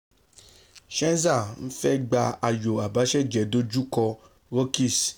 Scherzer ńfẹ́ gba ayò abàṣèjẹ́ dojúkọ. Rockies